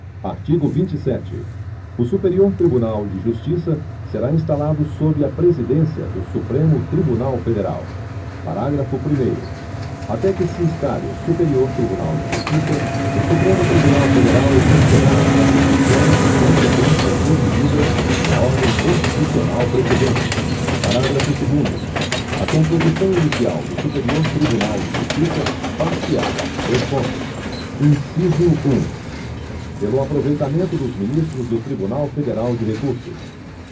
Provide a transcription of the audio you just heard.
artigo vinte e sete o superior tribunal de justiça será instalado sob a presidência do supremo tribunal federal parágrafo primeiro até que se instale o superior tribunal de justiça o supremo tribunal federal exercerá as atribuições e competências definidas na ordem constitucional precedente parágrafo segundo a composição inicial do superior tribunal de justiça far se á dois pontos inciso um pelo aproveitamento dos ministros do tribunal federal de recursos